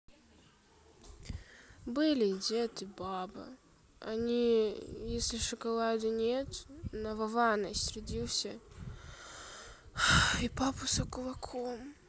были дед и баба они если шоколада нет на вована сердился и папуса кулаком